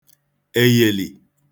èyèlì